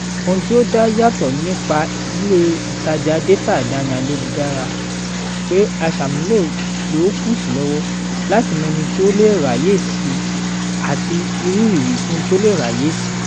Ohun tí ó dá yàtọ̀ nípa ilé ìtàjà dátà àdáni ayelujára pé aṣàmúlò ló kù sí lọ́wọ́ láti mọ ẹni tí ó le ráyèsí àti irú ìwífún tó le ráyèsí.